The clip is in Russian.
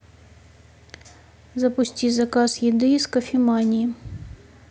запусти заказ еды из кофемании